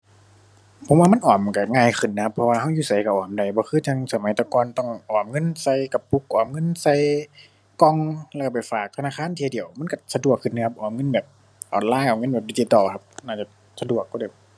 ผมว่ามันออมก็ง่ายขึ้นนะครับ เพราะว่าก็อยู่ไสก็ออมได้ บ่คือจั่งสมัยแต่ก่อนต้องออมเงินใส่กระปุก ออมเงินใส่กล่องแล้วเอาไปฝากธนาคารเที่ยเดียว มันก็สะดวกขึ้นเดะครับออมเงินแบบออนไลน์ ออมเงินแบบดิจิทัลอะครับ น่าจะสะดวกกว่าเดิม